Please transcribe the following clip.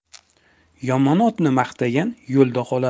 yomon otni maqtagan yolda qolar